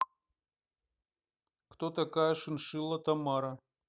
кто такая шиншилла тамара